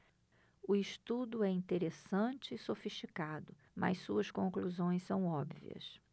o estudo é interessante e sofisticado mas suas conclusões são óbvias